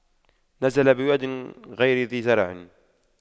نزل بواد غير ذي زرع